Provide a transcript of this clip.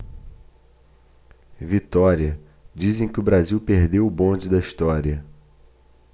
vitória dizem que o brasil perdeu o bonde da história